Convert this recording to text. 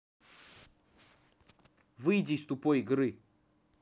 выйди из тупой игры